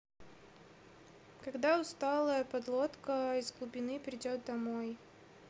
когда усталая подлодка из глубины придет домой